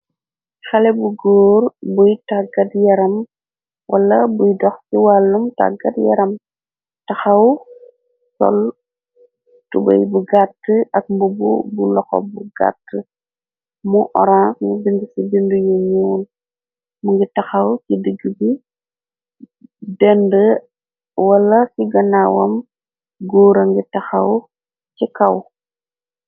Xele bu góor buy tàggat yaram wala buy dox ci wàllum tàggat yaram taxaw sol tubey bu gàtt ak mbubbu bu loxo bu gatt mu oran bind ci bind yu ñuul mu ngi taxaw ci digg bi dend wala ci ganawam góora ngi taxaw ci kaw.